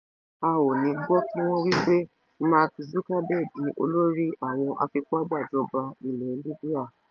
A ò ní gbọ́ kí wọ́n wí pé: "Mark Zuckerberg ni olórí àwọn afipágbàjọba ilẹ̀ Libya"